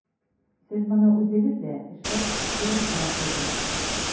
Сез моны үзегез дә, шәт, күреп торасыздыр.